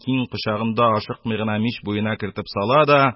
Киң кочагында ашыкмый гына мич буена кертеп сала да,